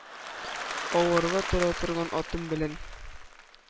Аварга тора торган атым белән,